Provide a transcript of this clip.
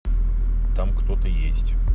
там кто то есть